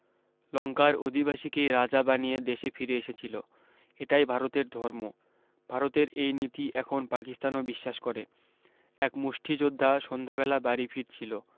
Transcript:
লংকার অধিবাসীকেই রাজা বানিয়ে দেশে ফিরে এসেছিল এটাই ভারতের ধর্ম ভারতের এই নীতি এখন পাকিস্তানেও বিশ্বাস করে এক মুষ্ঠি যোদ্ধা সন্ধ্যাবেলা বাড়ী ফিরছিল